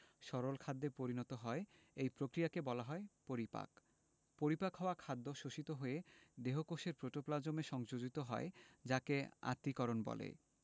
সরল খাদ্যে পরিণত হয় এই প্রক্রিয়াকে বলাহয় পরিপাক পরিপাক হওয়া খাদ্য শোষিত হয়ে দেহকোষের প্রোটোপ্লাজমে সংযোজিত হয় যাকে আত্তীকরণ বলে